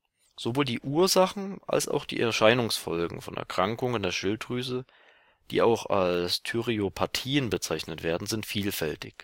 Sowohl die Ursachen als auch die Erscheinungsfolgen von Erkrankungen der Schilddrüse, die auch als Thyreopathien bezeichnet werden, sind vielfältig